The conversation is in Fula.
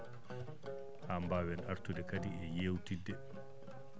haa mbaawen artude kadi e yewtidde